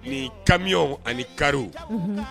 Ni kamiw ani kari